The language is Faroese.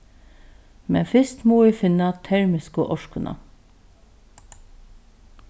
men fyrst mugu vit finna termisku orkuna